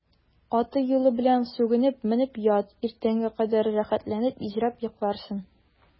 Аты-юлы белән сүгенеп менеп ят, иртәнгә кадәр рәхәтләнеп изрәп йокларсың.